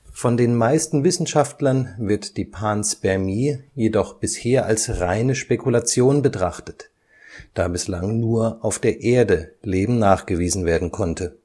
Von den meisten Wissenschaftlern wird die Panspermie jedoch bisher als reine Spekulation betrachtet, da bislang nur auf der Erde Leben nachgewiesen werden konnte